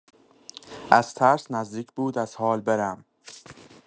از ترس نزدیک بود از حال برم.